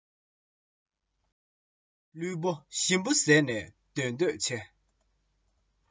ལུས པོ ཞིམ པོ བཟས ནས སྡོད འདོད ཆེ